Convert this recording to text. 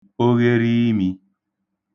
ogheriimī